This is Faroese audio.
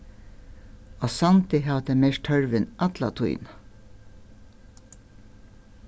á sandi hava tey merkt tørvin alla tíðina